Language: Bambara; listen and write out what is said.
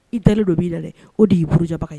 I dalenlen dɔ b'i la dɛ o de y'i bolourujaba ye